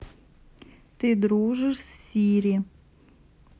ты дружишь с сири